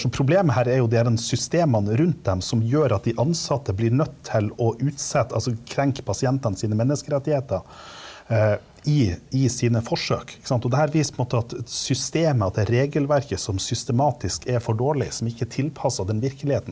så problemet her er jo det er dem systemene rundt dem som gjør at de ansatte blir nødt til å utsette, altså krenke pasientene sine menneskerettigheter, i i sine forsøk, ikke sant, og det her viser på en måte at et systemet at det er regelverket som systematisk er for dårlig, som ikke er tilpassa den virkeligheten.